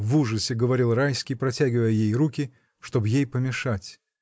— в ужасе говорил Райский, протягивая руки, чтоб ей помешать.